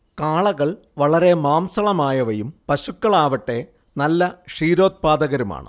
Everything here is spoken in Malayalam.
കാളകൾ വളരെ മാംസളമായവയും പശുക്കളാവട്ടെ നല്ല ക്ഷീരോത്പാദകരുമാണ്